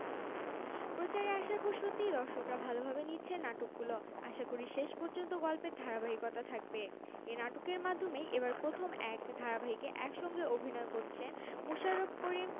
দেবী বিজয়া বৃষ্টি তোমাকে দিলাম এক যে ছিল রাজা ও ক্রিস ক্রস